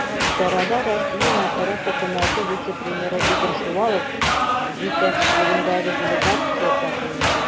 Чарада Россияне РФ Хөкүмәте вице-премьеры Игорь Шувалов җитәкчелегендәге делегация тәкъдим итә.